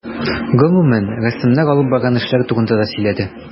Гомүмән, рәссамнар алып барган эшләр турында да сөйләнде.